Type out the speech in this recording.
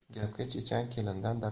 gapga chechan kelindan